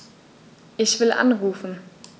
Ich will anrufen.